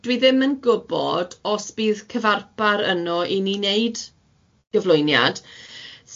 Dwi ddim yn gwbod os bydd cyfarpar yno i ni neud gyflwyniad,